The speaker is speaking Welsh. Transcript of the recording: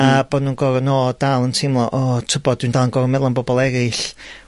A bo' nw'n gofyn, o dal yn teimlo o t'wbod dwi'n dal yn gor'o' meddwl am bobol eryll